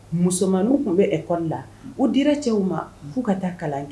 Musoman tun bɛ e kɔrɔ la o dira cɛw ma fo'u ka taa kalan kɛ